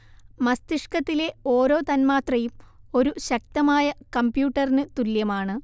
മസ്തിഷ്കത്തിലെ ഓരോ തന്മാത്രയും ഒരു ശക്തമായ കമ്പ്യൂട്ടറിനു തുല്യമാണ്